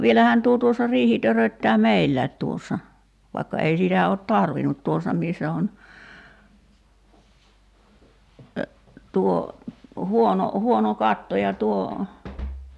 vielähän tuo tuossa riihi töröttää meillä tuossa vaikka ei sitä ole tarvinnut tuossa missä on tuo huono huono katto ja tuo